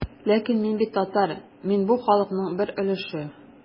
Ләкин мин бит татар, мин бу халыкның бер өлеше.